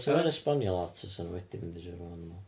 'sa fo'n esbonio lot os fysa nhw wedi mynd i Sir Fôn.